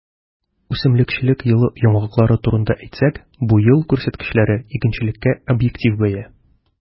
Үсемлекчелек елы йомгаклары турында әйтсәк, бу ел күрсәткечләре - игенчелеккә объектив бәя.